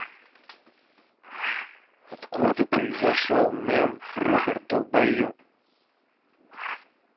откуда произошел мем роберт долбоеб